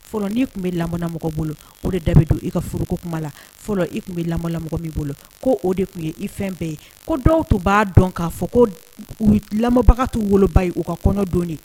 Fɔlɔ ni kun bɛ lamɔ la mɔgɔ bolo o de da bi don i ka foroko kuma la. Fɔlɔ i kun bɛ lamɔla mɔgɔ min bolo o de kun ye i fɛn bɛɛ ye. Ko dɔw t. Kun ba dɔn ka fɔ ko u lamɔbaga tu woloba ye u ka kɔɲɔ don de .